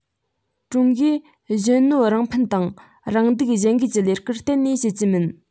ཀྲུང གོས གཞན གནོད རང ཕན དང རང སྡུག གཞན འགེལ གྱི ལས ཀ གཏན ནས བྱེད ཀྱི མིན